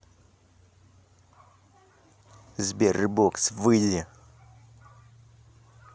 sberbox выйди